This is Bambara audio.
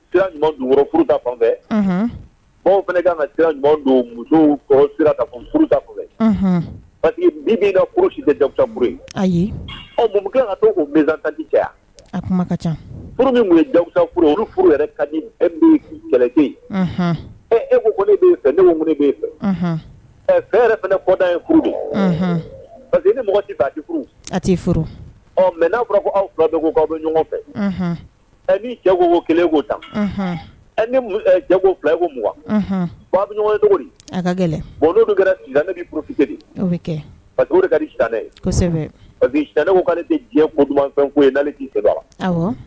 Fanfɛ ka don muso pa min kasisa ye ayi ɔ numukɛkɛ ka tosa cɛ a ka ca furu min tun ye furu furu kɛlɛ e e ko fɛ bɛ fɛ fɛ yɛrɛ fana kɔda ye furu paseke ni mɔgɔ tɛ furu a tɛ furu ɔ mɛ n'a fɔra ko aw fila' aw don ɲɔgɔn fɛ ɛ ni jagoko kelen'o tan ni jago fila i mugan bɛ ɲɔgɔn a ka gɛlɛn kɛra nesiri bɛ kɛto kaɛ kosɛbɛ paɛ ka ne tɛ diɲɛ dumanfɛn ko ye'ale' tɛ